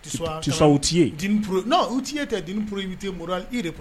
W tiyeoro u tiye tɛ den poro in bɛ tɛ mori la e de